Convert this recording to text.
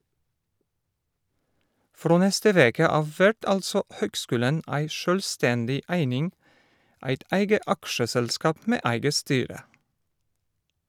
Frå neste veke av vert altså høgskulen ei sjølvstendig eining, eit eige aksjeselskap med eige styre.